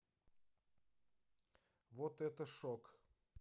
вот это шок